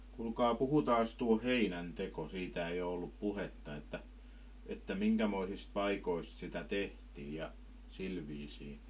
kuulkaa puhutaanpas tuo heinän teko siitä ei on ollut puhetta että että minkämoisista paikoista sitä tehtiin ja sillä viisiin